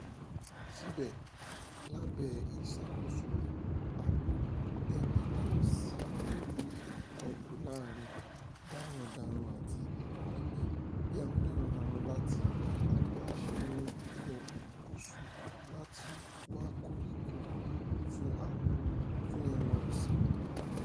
Síbẹ̀, lábẹ́ ìṣàkóso rẹ̀, ààbò ẹ̀mí kò sí pẹ̀lú ìkọlù láàárín darandaran àti àgbẹ̀ bí àwọn darandaran láti àríwá ṣe ń wọ gúúsù láti wá koríko fún ẹran ọ̀sìn-in wọn.